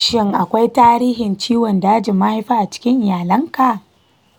shin akwai tarihin ciwon dajin mahaifa a cikin iyalinka?